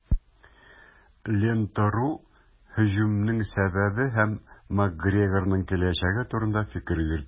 "лента.ру" һөҗүмнең сәбәбе һәм макгрегорның киләчәге турында фикер йөртә.